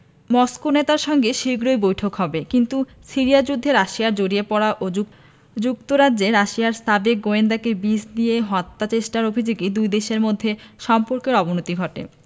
Moscow নেতার সঙ্গে শিগগিরই বৈঠক হবে কিন্তু সিরিয়া যুদ্ধে রাশিয়ার জড়িয়ে পড়া ও যুক্তরাজ্যে রাশিয়ার সাবেক গোয়েন্দাকে বিষ দিয়ে হত্যাচেষ্টার অভিযোগে দুই দেশের মধ্যে সম্পর্কের অবনতি ঘটে